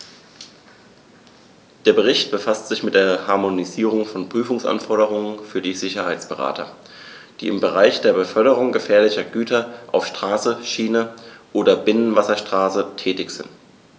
Der Bericht befasst sich mit der Harmonisierung von Prüfungsanforderungen für Sicherheitsberater, die im Bereich der Beförderung gefährlicher Güter auf Straße, Schiene oder Binnenwasserstraße tätig sind.